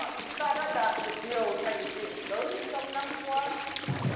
và chúng ta đã đạt được nhiều thành tựu lớn trong năm qua